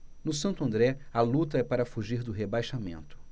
no santo andré a luta é para fugir do rebaixamento